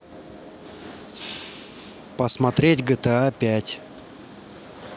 посмотреть гта пять